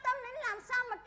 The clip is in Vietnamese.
thần